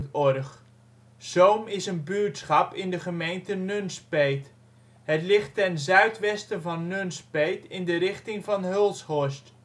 OL Zoom Plaats in Nederland Situering Provincie Gelderland Gemeente Nunspeet Coördinaten 52° 22′ NB, 5° 45′ OL Portaal Nederland Beluister (info) Zoom is een buurtschap in de gemeente Nunspeet. Het ligt ten zuidwesten van Nunspeet in de richting van Hulshorst